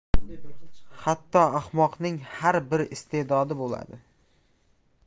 hatto ahmoqning ham bir istedodi bo'ladi